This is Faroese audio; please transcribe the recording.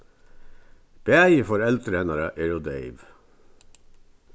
bæði foreldur hennara eru deyv